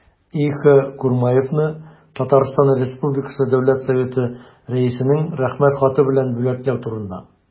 И.Х. Курмаевны Татарстан республикасы дәүләт советы рәисенең рәхмәт хаты белән бүләкләү турында